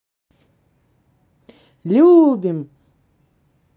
любим